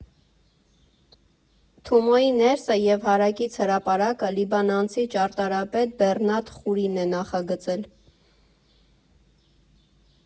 Թումոյի ներսը և հարակից հրապարակը լիբանանցի ճարտարապետ Բերնարդ Խուրին է նախագծել։